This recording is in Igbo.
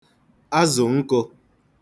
azụ̀ nkụ̄